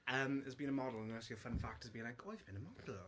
Yym is being a model and that's your fun fact has been like, "Oh, I've been a model."